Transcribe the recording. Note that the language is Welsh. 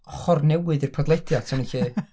Ochr newydd i'r podlediad, 'sa ni'n gallu...